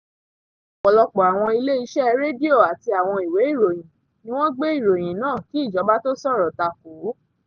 Ọ̀pọ̀lọpọ̀ àwọn ilé-iṣẹ́ rédíò àti àwọn ìwé ìròyìn ní wọ́n gbé ìròyìn náà kí ìjọba tó sọ̀rọ̀ takòó.